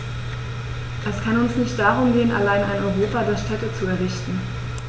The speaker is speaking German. Es kann uns nicht darum gehen, allein ein Europa der Städte zu errichten.